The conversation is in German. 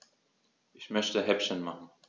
Ich möchte Häppchen machen.